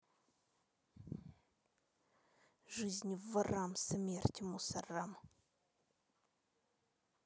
жизнь ворам смерть мусорам